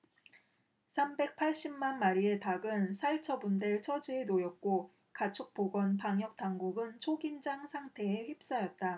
삼백 팔십 만 마리의 닭은 살처분될 처지에 놓였고 가축보건 방역당국은 초긴장 상태에 휩싸였다